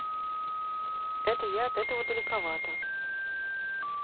это я от этого далековато